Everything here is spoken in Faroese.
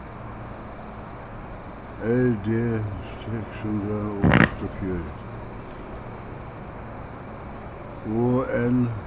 r d seks hundrað og áttaogfjøruti o l